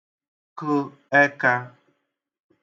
kə̣ ẹkā